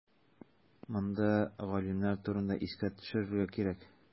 Монда галимнәр турында искә төшерергә кирәк.